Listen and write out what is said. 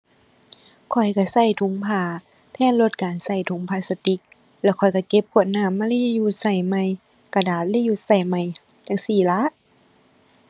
ข้อยก็ก็ถุงผ้าแทน ลดการก็ถุงพลาสติก แล้วข้อยก็เก็บขวดน้ำมา reuse ก็ใหม่กระดาษ reuse ก็ใหม่จั่งซี้ล่ะ